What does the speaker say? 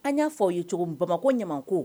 An ya fɔ aw ye cogo min Bamakɔ ɲaman ko.